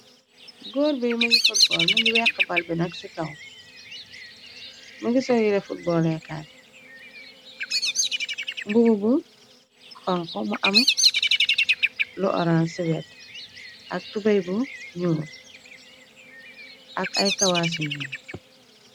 Góor bi mungi footbol, mungi wekx bal bi nak ci kaw, mungi sol yehreh footboleh kaai, mbubu bu honhu, mu am lu ohranse ci weht ak tubey bu njull, ak ay kawaasi njull.